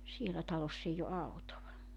siellä talossa ei ole autoa